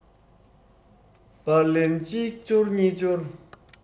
པར ལན གཅིག འབྱོར གཉིས འབྱོར